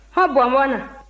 hɔn bɔnbɔn na